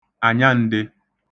ànyandē